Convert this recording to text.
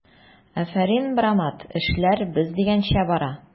Афәрин, брамат, эшләр без дигәнчә бара!